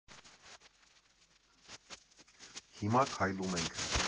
Հիմա քայլում ենք։